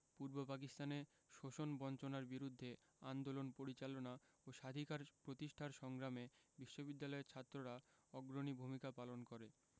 পূর্ব পাকিস্তানে শোষণ বঞ্চনার বিরুদ্ধে আন্দোলন পরিচালনা ও স্বাধিকার প্রতিষ্ঠার সংগ্রামে বিশ্ববিদ্যালয়ের ছাত্ররা অগ্রণী ভূমিকা পালন করে